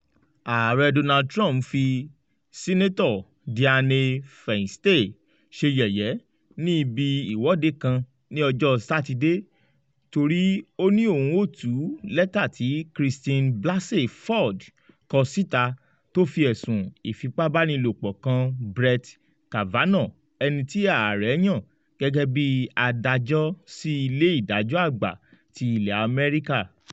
Ààrẹ Donald Trump fi Sínátọ̀ Dianne Feinste ṣe yẹ̀yẹ́ ní ibí ìwọ́de kan ní ọjọ́ Sátidé torí ó ní òun ọ́ tú lẹ́tà tí Christine Blasey Ford kọ síta, tó fi ẹ̀sùn ìfipábánilòpọ̀ kan Brett Kavanaugh, ẹni tí ààre yan gẹ́gẹ́ bí adájọ́ sí Ilé-ìdájọ́ Àgbà ti ilẹ̀ Amẹ́ríkà.